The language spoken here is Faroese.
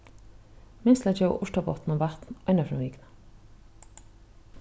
minst til at geva urtapottinum vatn einaferð um vikuna